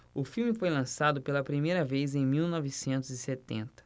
o filme foi lançado pela primeira vez em mil novecentos e setenta